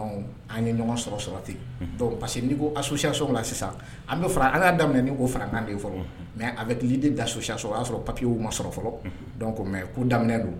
An ye ɲɔgɔn sɔrɔ sɔrɔ ten pa parce que n'i ko a sosoya so la sisan an bɛ fara an y'a daminɛ ni ko faratan fɔlɔ mɛ a bɛ delidi da soso sɔrɔ o y'a sɔrɔ papiw ma sɔrɔ fɔlɔ mɛ kun daminɛ don